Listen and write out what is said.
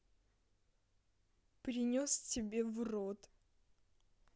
принес тебе в рот